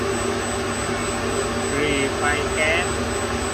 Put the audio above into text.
หรี่ไฟแก๊ส